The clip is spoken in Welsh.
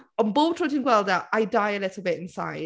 Ond bob tro ti’n gweld e, I die a little bit inside.